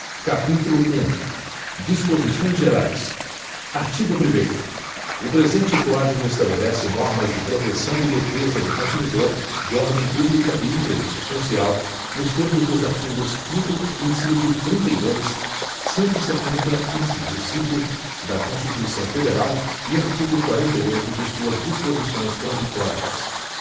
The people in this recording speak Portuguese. capítulo um disposições gerais artigo primeiro o presente código estabelece normas de proteção e defesa do consumidor de ordem pública e interesse social nos termos dos artigos quinto inciso trinta e dois cento e setenta inciso cinco da constituição federal e artigo quarenta e oito de suas disposicões transitórias